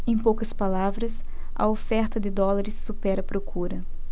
em poucas palavras a oferta de dólares supera a procura